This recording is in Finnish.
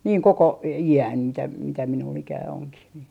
niin koko iän mitä mitä minulla ikää onkin niin